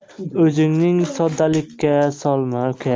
o'zingni soddalikka solma uka